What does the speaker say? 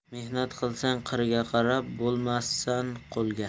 mehnat qilsang qirga qaram bo'lmassan qo'lga